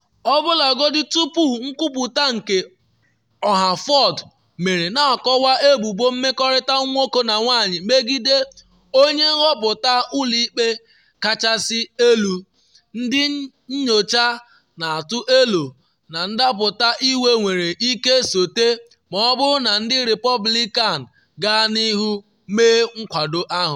Ọbụlagodi tupu nkwuputanke ọha Ford mere na-akọwa ebubo mmekọrịta nwoke na nwanyị megide onye nhọpụta Ụlọ Ikpe kachasị Elu, ndị nyocha na-atụ elo na ndapụta iwe nwere ike sote ma ọ bụrụ na ndị Repọblikan gaa n’ihu mee nkwado ahụ.